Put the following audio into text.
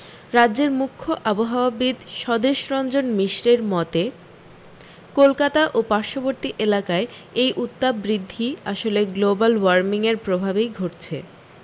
রাজ্যের মুখ্য আবহাওয়াবিদ স্বদেশরঞ্জন মিশরের মতে কলকাতা ও পার্শ্ববর্তী এলাকায় এই উত্তাপ বৃদ্ধি আসলে গ্লোবাল ওয়ার্মিং এর প্রভাবেই ঘটছে